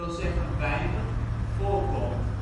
zeggen weinig) voorkomt